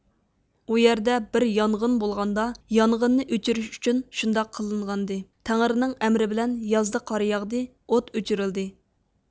ئۇ يەردە بىر يانغېن بولغاندا يانغېننى ئۆچۈرۈش ئۈچۈن شۇنداق قىلىنغانىدى تەڭرىنىڭ ئەمرى بىلەن يازدا قار ياغدى ئوت ئۆچۈرۈلدى